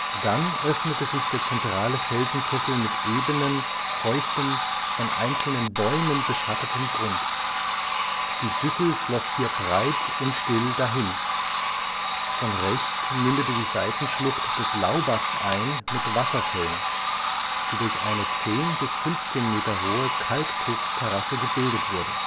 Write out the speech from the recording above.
Dann öffnete sich der zentrale Felsenkessel mit ebenem, feuchtem, von einzelnen Bäumen beschattetem Grund. Die Düssel floss hier breit und still dahin. Von rechts mündete die Seitenschlucht des Laubachs ein mit Wasserfällen, die durch eine 10 – 15 m hohe Kalktuff-Terrasse gebildet wurden